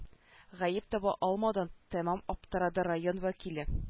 Гаеп таба алмаудан тәмам аптырады район вәкиле